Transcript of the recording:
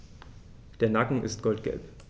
Der Nacken ist goldgelb.